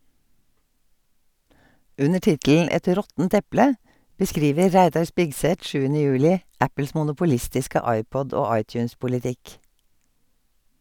Under tittelen "Et råttent eple" beskriver Reidar Spigseth 7. juli Apples monopolistiske iPod- og iTunes-politikk.